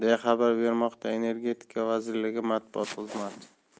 bermoqda energetika vazirligi matbuot xizmati